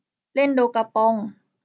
เล่นโดกาปอง